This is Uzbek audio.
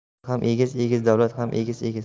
mehnat ham egiz egiz davlat ham egiz egiz